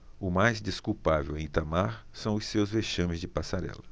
o mais desculpável em itamar são os seus vexames de passarela